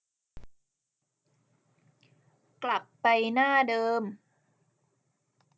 กลับไปหน้าเดิม